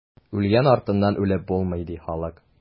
Үлгән артыннан үлеп булмый, ди халык.